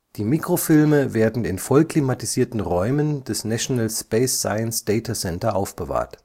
Die Mikrofilme werden in vollklimatisierten Räumen des National Space Science Data Center aufbewahrt